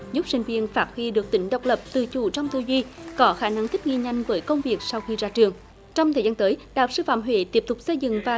giúp sinh viên phát huy được tính độc lập tự chủ trong tư duy có khả năng thích nghi nhanh với công việc sau khi ra trường trong thời gian tới đại học sư phạm huế tiếp tục xây dựng và